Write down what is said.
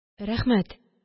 Рәхмәт